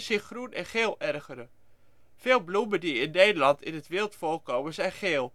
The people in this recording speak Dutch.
zich groen en geel ergeren. Veel bloemen die in Nederland in het wild voorkomen zijn geel.